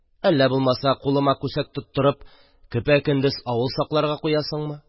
Әллә, булмаса, кулыма күсәк тоттырып, көпә-көндез авыл сакларга куясыңмы?